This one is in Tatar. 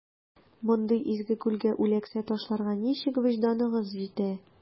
Мондый изге күлгә үләксә ташларга ничек вөҗданыгыз җитә?